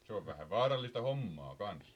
se on vähän vaarallista hommaa kanssa